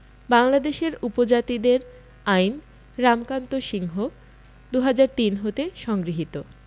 বাংলাদেশের উপজাতিদের আইন রামকান্ত সিংহ ২০০৩ হতে সংগৃহীত